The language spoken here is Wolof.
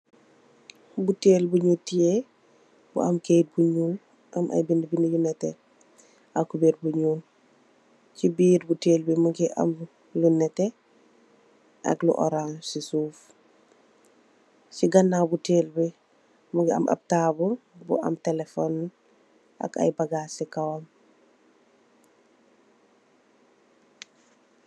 Buttel buñu tiyeh bu am Kait bu ñul am ayy bindi bindi yu netteh ak kuber bu nyul si birr buttel bi mungi am lu netteh ak lu orange si suff si ganaw buttelbi mungi am ab tabule bu am telephone ak ayy bagass si kawam.